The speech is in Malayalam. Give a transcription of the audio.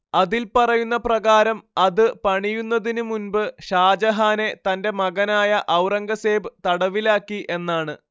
അതിൽ പറയുന്ന പ്രകാരം അത് പണിയുന്നതിനു മുൻപ് ഷാജഹാനെ തന്റെ മകനായ ഔറംഗസേബ് തടവിലാക്കി എന്നാണ്